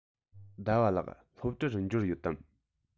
ཟླ བ ལགས སློབ གྲྭར འབྱོར ཡོད དམ